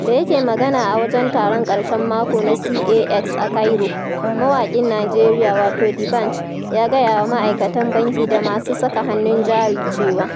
Da yake magana a wajen taron ƙarshen mako na CAX a Cairo, mawaƙin Nijeriya wato D'Banj ya gaya wa ma'aikatan banki da masu saka hannun jari cewa: